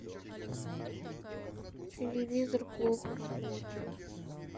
телевизор плохо работает